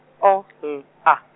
O L A.